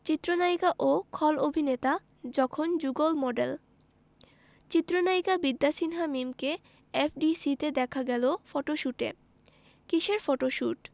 চিত্রনায়িকা ও খল অভিনেতা যখন যুগল মডেল চিত্রনায়িকা বিদ্যা সিনহা মিমকে এফডিসিতে দেখা গেল ফটোশুটে কিসের ফটোশুট